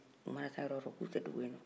u mana taa yɔrɔ o yɔrɔ k'u tɛ dogo yen nɔ